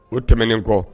O tɛmɛnen kɔ